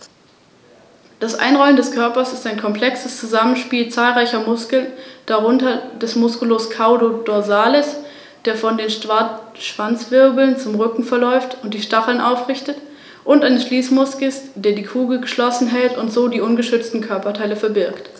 Kernzonen und die wichtigsten Bereiche der Pflegezone sind als Naturschutzgebiete rechtlich gesichert.